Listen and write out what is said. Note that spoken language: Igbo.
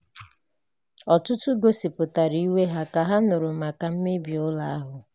Ọtụtụ gosipụtara iwe ha ka ha nụrụ maka mmebi ụlọ ahụ.